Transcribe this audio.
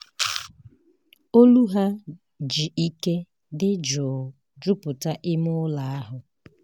Olu ha ji ike dị jụụ jupụta ime ụlọ ahụ.